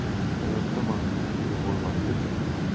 hayotda maqsadga ega bo'lmaslik